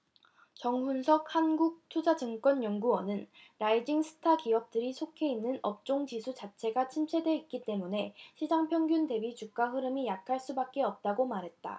정훈석 한국투자증권 연구원은 라이징 스타 기업들이 속해 있는 업종지수 자체가 침체돼 있기 때문에 시장 평균 대비 주가 흐름이 약할 수밖에 없다고 말했다